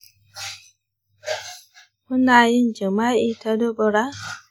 kuna yin jima'i ta dubura?